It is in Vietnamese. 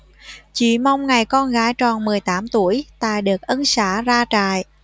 chị mong ngày con gái tròn mười tám tuổi tài được ân xá ra trại